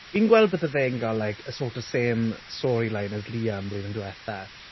Fi'n gweld bydde fe'n gael, like y sort of, same storyline as Liam blwyddyn diwethaf.